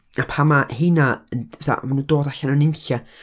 A pan ma rheina yn, fatha, a ma' nhw'n dod allan o nunlle.